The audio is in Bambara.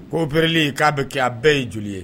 Koo bererili k'a bɛ kɛ a bɛɛ y ye joli ye